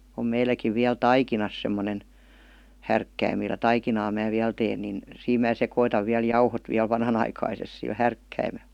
on meilläkin vielä taikinassa semmoinen härkkäin millä taikinaa minä vielä teen niin siinä minä sekoitan vielä jauhot vielä vanhanaikaisesti sillä härkkäimellä